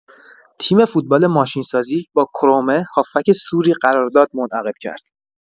تیم فوتبال ماشین‌سازی با کرومه هافبک سوری قرارداد منعقد کرد.